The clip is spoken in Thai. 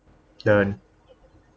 เดิน